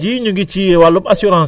79